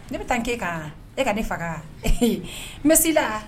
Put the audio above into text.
Ne bɛ taa kɛ ka e ka ne faga mɛsi la